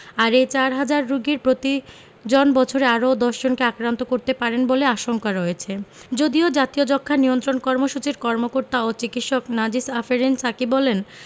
আর এ চারহাজার রোগীর প্রতিজন বছরে আরও ১০ জনকে আক্রান্ত করতে পারেন বলে আশঙ্কা রয়েছে যদিও জাতীয় যক্ষ্মা নিয়ন্ত্রণ কর্মসূচির কর্মকর্তা ও চিকিৎসক নাজিস আফেরিন সাকী বলেন